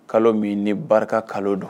Kalo min ni barika kalo don